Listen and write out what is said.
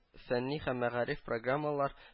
Фәнни һәм мәгариф программалар